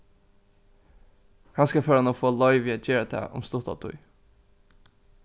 kanska fór hann at fáa loyvi at gera tað um stutta tíð